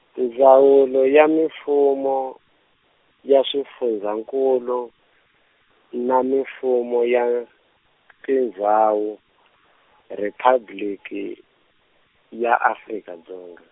Ndzawulo ya Mifumo, ya Swifundzankulu na Mifumo ya, Tindzhawu, Riphabliki, ya Afrika Dzonga.